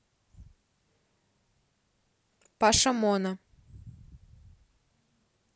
паша мона